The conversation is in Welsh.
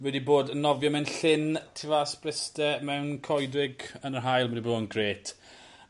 Fi 'di bod yn nofio mewn llyn tu fas Bryste mewn coedwig yn yr haul ma' 'di bo' yn grêt.